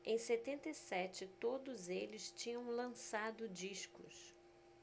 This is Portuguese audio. em setenta e sete todos eles tinham lançado discos